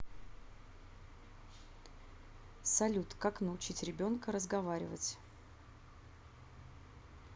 салют как научить ребенка разговаривать